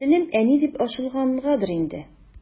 Телем «әни» дип ачылгангадыр инде.